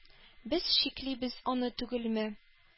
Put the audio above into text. Без чиклибез аны түгелме?!